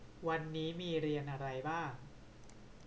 วันนี้มีเรียนอะไรบ้าง